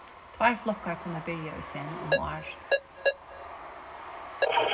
tveir flokkar kunnu byrja í senn um árið